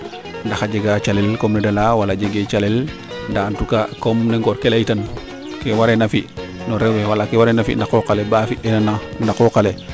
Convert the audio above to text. ndax a jega calel comme neede leya wala jege calel ndaa en tout cas comme ne ngor ke ley tan ke wareena fi no rew we wala ke wariina fi a qooqale baa fi eena na qooqale